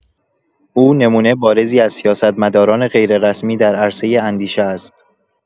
او نمونه بارزی از سیاست‌مداران غیررسمی در عرصه اندیشه است.